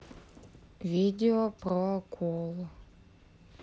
видео про акул